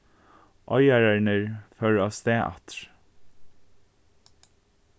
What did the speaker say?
oyðararnir fóru avstað aftur